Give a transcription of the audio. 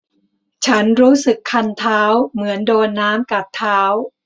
ฉันรู้สึกคันเท้าเหมือนโดนน้ำกัดเท้า